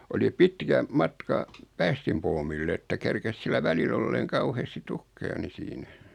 oli pitkä matka päästinpuomille että kerkisi sillä välillä olemaan kauheasti tukkeja niin siinä